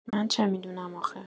من چه می‌دونم آخه؟